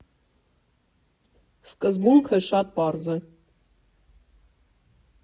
Սկզբունքը շատ պարզ է.